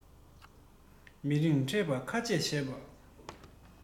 མི རིང ཕྲད པའི ཁ ཆད བྱས པ